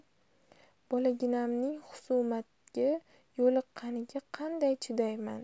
bolaginamning xusumatga yo'liqqaniga qandoq chidayman